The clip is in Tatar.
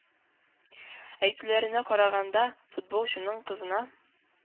Әйтүләренә караганда, футболчының кызына